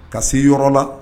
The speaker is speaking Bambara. Ka si yɔrɔ la